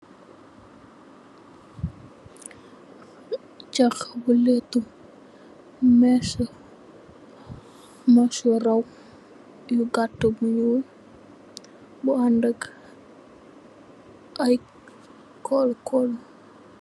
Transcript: Jangh bu lettu mèssu, mèss yu raw bu gatt bu ñuul bu andak ay kul-kul.